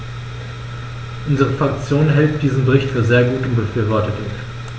Unsere Fraktion hält diesen Bericht für sehr gut und befürwortet ihn.